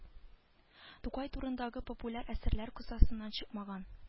Тукай турындагы популяр әсәрләр кысасыннан чыкмаган